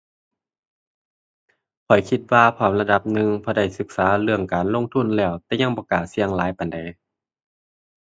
ข้อยคิดว่าพร้อมระดับหนึ่ง เพราะได้ศึกษาเรื่องการลงทุนแล้ว แต่ยังบ่กล้าเสี่ยงหลายปานใด